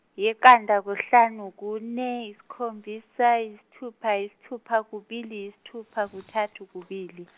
yiqanda kuhlanu kune, yisikhombisa yisithupa yisithupa kubili yisithupa kuthatu kubili.